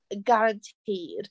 Guaranteed.